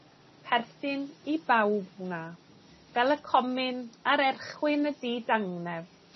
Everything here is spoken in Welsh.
perthyn i bawb wna, fel y comin ar erchwyn y didangnef